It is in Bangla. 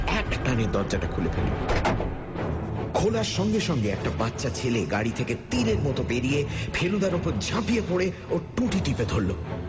একটানে দরজাটা খুলে ফেলল খোলার সঙ্গে সঙ্গে একটা বাচ্চা ছেলে গাড়ি থেকে তীরের মতো বেরিয়ে ফেলুদার উপর ঝাঁপিয়ে পড়ে ওর টুটি টিপে ধরল